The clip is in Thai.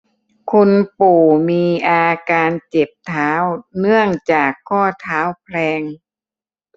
คุณปู่มีอาการเจ็บเท้าเนื่องจากข้อเท้าแพลง